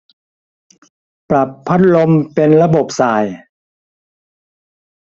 ปรับพัดลมเป็นระบบส่าย